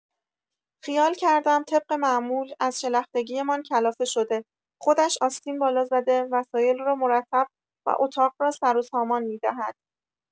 خیال کردم طبق معمول از شلختگی‌مان کلافه شده، خودش آستین بالا زده وسایل را مرتب و اتاق را سر و سامان می‌دهد.